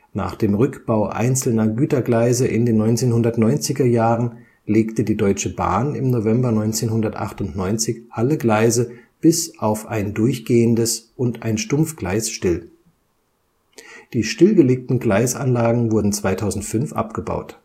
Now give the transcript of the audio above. Nach dem Rückbau einzelner Gütergleise in den 1990er Jahren, legte die Deutsche Bahn im November 1998 alle Gleise bis auf ein durchgehendes und ein Stumpfgleis still. Die stillgelegten Gleisanlagen wurden 2005 abgebaut